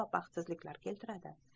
baxtsizliklar keltiradi